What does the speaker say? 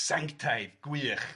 sanctaidd gwych